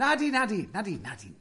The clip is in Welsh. Nadi, nadi, nadi, nadi, nadi.